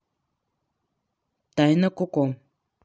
тайна коко